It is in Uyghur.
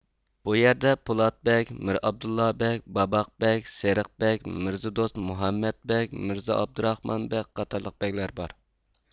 بۇ يەردە پولات بەگ مىرئابدۇللا بەگ باباق بەگ سېرىق بەگ مىرزادوست مۇھەممەت بەگ مىرزائابدۇراخمان بەگ قاتارلىق بەگلەر بار